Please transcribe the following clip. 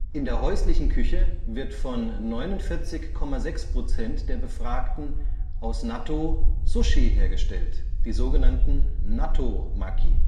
In der häuslichen Küche wird von 49,6 % der Befragten aus Nattō Sushi hergestellt (Nattō-Maki